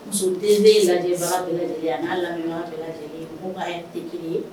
TV lajɛbaga bɛɛ lajɛlen a n'a lamɛnbaga bɛɛ lajɛlen, mɔgɔw ka heure t.ɛ kelen ye.